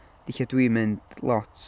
'Di lle dwi'n mynd lot.